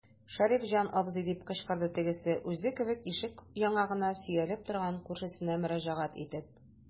Шәрифҗан абзый, - дип кычкырды тегесе, үзе кебек ишек яңагына сөялеп торган күршесенә мөрәҗәгать итеп.